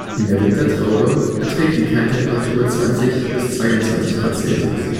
In der Wintertraube beträgt die Kerntemperatur 20 bis 22 °C